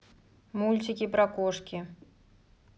мультики про кошки